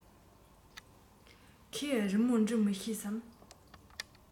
ཁོས རི མོ འབྲི མི ཤེས སམ